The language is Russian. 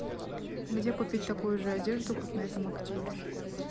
где купить такую же одежду как на этом актере